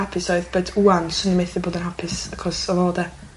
hapus oedd but ŵan swn i methu bod yn hapus achos o fo 'de?